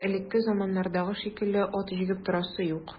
Элекке заманнардагы шикелле ат җигеп торасы юк.